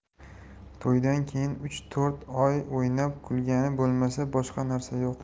to'ydan keyin uch to'rt oy o'ynab kulgani bo'lmasa boshqa narsa yo'q